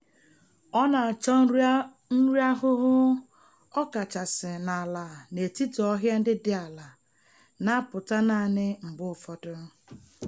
Ọ na-achọ nri ahụhụ ọkachasị n'ala n'etiti ọhịa ndị dị ala, na-apụta naanị mgbe ụfọdụ.